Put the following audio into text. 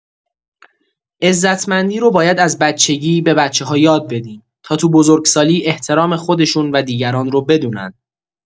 عزتمندی رو باید از بچگی به بچه‌ها یاد بدیم تا تو بزرگسالی احترام خودشون و دیگران رو بدونن.